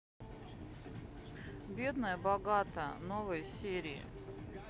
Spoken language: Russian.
бедная богатая новые серии